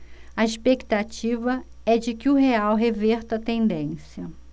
a expectativa é de que o real reverta a tendência